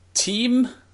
Tîm